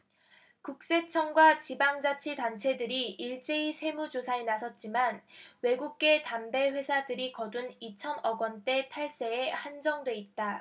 국세청과 지방자치단체들이 일제히 세무조사에 나섰지만 외국계 담배회사들이 거둔 이천 억원대 탈세에 한정돼 있다